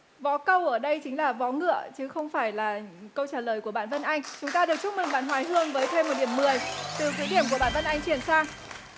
vó câu ở đây chính là vó ngựa chứ không phải là câu trả lời của bạn vân anh chúng ta được chúc mừng bạn hoài hương với thêm một điểm mười từ số điểm của bạn vân anh chuyển sang